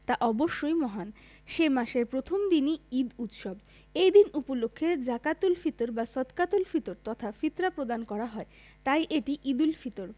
তা অবশ্যই মহান সে মাসের প্রথম দিনই ঈদ উৎসব এই দিন উপলক্ষে জাকাতুল ফিতর বা সদকাতুল ফিতর তথা ফিতরা প্রদান করা হয় তাই এটি ঈদুল ফিতর